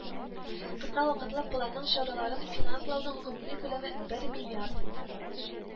Кыска вакытлы планның чараларын финанслауның гомуми күләме бер миллиард